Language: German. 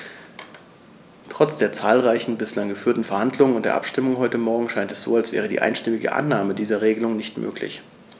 Trotz der zahlreichen bislang geführten Verhandlungen und der Abstimmung heute Morgen scheint es so, als wäre die einstimmige Annahme dieser Regelung nicht möglich.